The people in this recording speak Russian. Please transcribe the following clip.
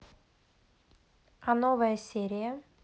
а новая серия